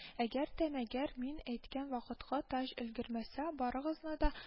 Әгәр дә мәгәр мин әйткән вакытка таҗ өлгермәсә, барыгызны да